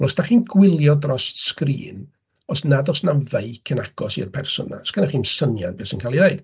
Wel os da chi'n gwylio dros sgrin, os nad os na feic yn agos i'r person yna sgynnoch chi'm syniad beth sy'n cael ei ddweud.